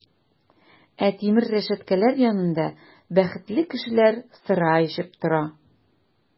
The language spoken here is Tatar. Ә тимер рәшәткәләр янында бәхетле кешеләр сыра эчеп тора!